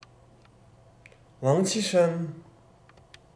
ཝང ཆི ཧྲན